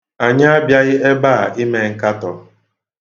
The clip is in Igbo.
Anyị abịaghị ebe a ime nkatọ.